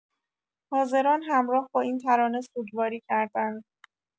حاضران همراه با این ترانه سوگواری کردند.